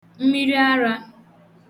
mmiriara